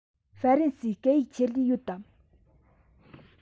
ཧྥ རན སིའི སྐད ཡིག ཆེད ལས ཡོད དམ